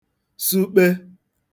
sụkpe